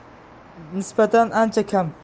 o'zaga nisbatan ancha kam